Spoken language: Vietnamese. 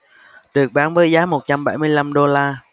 được bán với giá một trăm bảy mươi lăm đô la